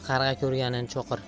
qarg'a ko'rganin cho'qir